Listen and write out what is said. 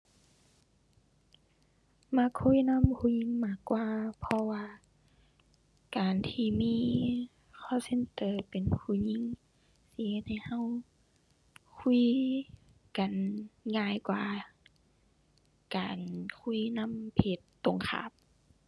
มักคุยนำผู้หญิงมากกว่า เพราะว่าการที่มี call center เป็นผู้หญิงสิเฮ็ดให้เราคุยกันง่ายกว่าการคุยนำเพศตรงข้าม